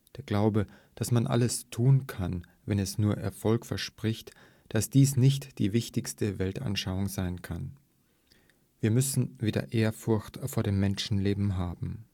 Glaube, dass man alles tun kann, wenn es nur Erfolg verspricht, dass dies nicht die richtige Weltanschauung sein kann. Wir müssen wieder Ehrfurcht vor dem Menschenleben haben